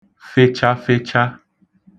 fechafecha